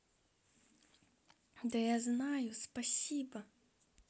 да я знаю спасибо